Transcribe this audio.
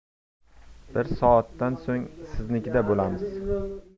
bir soatdan so'ng siznikida bo'lamiz